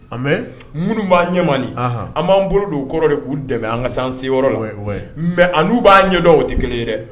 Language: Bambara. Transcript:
Minnu b'a ɲɛma an b'an bolo don kɔrɔ de u dɛmɛ an kasan se mɛ ani b'aan ɲɛdɔn o tɛ kelen ye dɛ